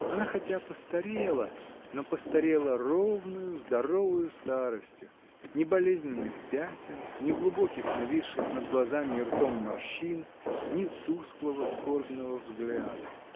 Она хотя постарела, но постарела ровною, здоровою старостью: ни болезненных пятен, ни глубоких, нависших над глазами и ртом морщин, ни тусклого, скорбного взгляда!